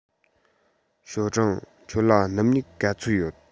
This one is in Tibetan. ཞའོ ཀྲང ཁྱོད ལ སྣུམ སྨྱུག ག ཚོད ཡོད